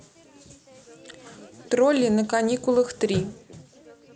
тролли на каникулах три